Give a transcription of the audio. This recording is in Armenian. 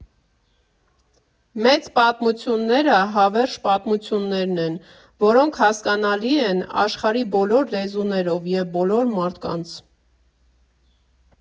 Մեծ պատմությունները՝ հավերժ պատմություններն են, որոնք հասկանալի են աշխարհի բոլոր լեզուներով և բոլոր մարդկանց։